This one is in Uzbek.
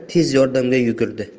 da tez yordamga yugurdi